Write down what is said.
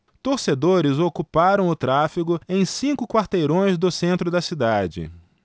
torcedores ocuparam o tráfego em cinco quarteirões do centro da cidade